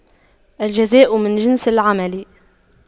الجزاء من جنس العمل